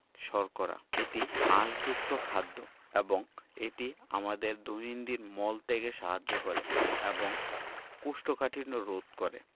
শর্করা এটি আঁশযুক্ত খাদ্য এবং এটি আমাদের দৈনন্দিন মল ত্যাগে সাহায্য করে এবং কোষ্ঠকাঠিন্য রোধ করে